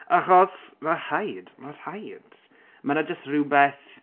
Achos ma' rhaid ma' rhaid. Ma' 'na jyst rhywbeth...